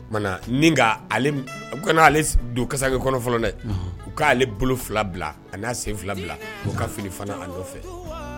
O tuma ni k’ale, u ka na ale don kasanke kɔnɔ fɔlɔ dɛ, u k'ale bolo fila bila ani n'a sen fila bila o ka fininfana a nɔfɛ.